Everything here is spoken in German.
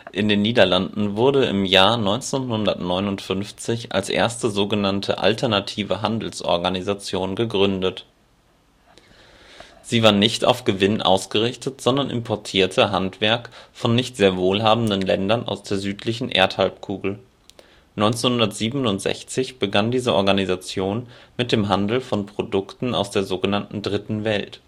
in den Niederlanden wurde im Jahr 1959 als erste sog. Alternative Handelsorganisation gegründet. Sie war nicht auf Gewinn ausgerichtet, sondern importierte Handwerk von nicht sehr wohlhabenden Ländern aus der südlichen Erdhalbkugel. 1967 begann diese Organisation mit dem Handel von Produkten aus der sogenannten Dritten Welt